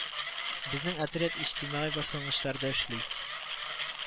Безнең отряд иҗтимагый башлангычларда эшли